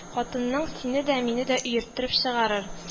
Хатының сине дә, мине дә өерттереп чыгарыр